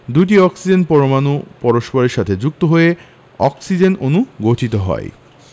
দুটি অক্সিজেন পরমাণু পরস্পরের সাথে যুক্ত হয়ে অক্সিজেন অণু গঠিত হয়